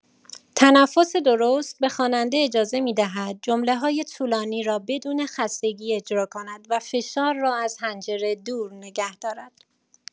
تنفس درست به خواننده اجازه می‌دهد جمله‌های طولانی را بدون خستگی اجرا کند و فشار را از حنجره دور نگه دارد.